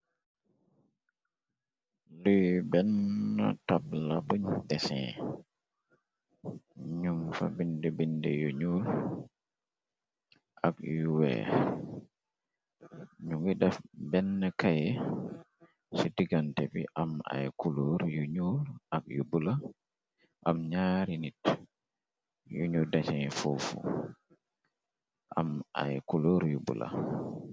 Luy benn tabla buñ desin ñum fa bind-binde yu ñuul ak yu wee ñu ngi daf benn kaye ci digante bi am ay kuloor yu ñuul ak yu bula am ñaari nit yuñu desin fuufu am ay kuloor yu bula.